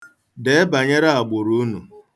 Dee, banyere agbụrụ unu.